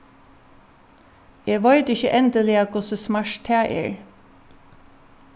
eg veit ikki endiliga hvussu smart tað var